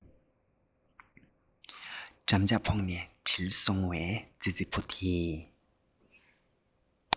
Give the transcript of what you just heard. འགྲམ ལྕག ཕོག ནས འགྲིལ སོང བའི ཙི ཙི ཕོ དེས